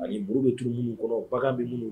A nbauru bɛ tun minnu kɔnɔ bagan bɛ minnu